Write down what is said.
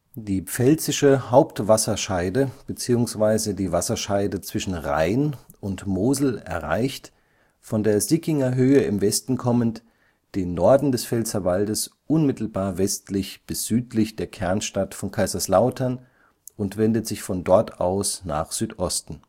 Die Pfälzische Hauptwasserscheide bzw. die Wasserscheide zwischen Rhein (Oberrhein) und Mosel (Mittelrhein) erreicht, von der Sickinger Höhe im Westen kommend, den Norden des Pfälzerwaldes unmittelbar westlich bis südlich der Kernstadt von Kaiserslautern und wendet sich von dort aus nach Südosten